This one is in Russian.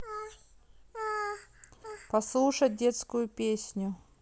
послушать детскую песню